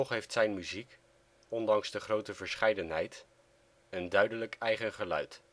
heeft zijn muziek, ondanks de grote verscheidenheid, een duidelijk eigen geluid